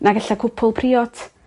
nag ella cwpwl priod.